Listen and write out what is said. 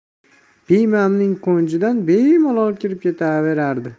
piymamning qo'njidan bemalol kirib ketaveradi